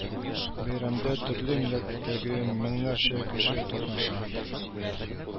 Бәйрәмдә төрле милләттәге меңнәрчә кеше катнаша